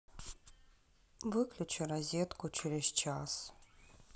выключи розетку через час